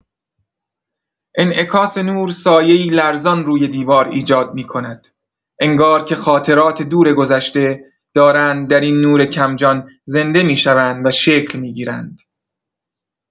انعکاس نور، سایه‌ای لرزان روی دیوار ایجاد می‌کند، انگار که خاطرات دور گذشته دارند در این نور کم‌جان زنده می‌شوند و شکل می‌گیرند.